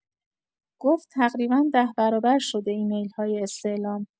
گفت تقریبا ۱۰ برابر شده ایمیل‌های استعلام.